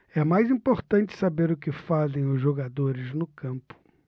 é mais importante saber o que fazem os jogadores no campo